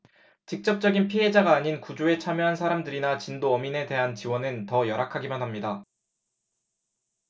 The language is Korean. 직접적인 피해자가 아닌 구조에 참여한 사람들이나 진도어민들에 대한 지원은 더 열악하기만 합니다